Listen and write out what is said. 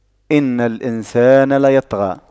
إِنَّ الإِنسَانَ لَيَطغَى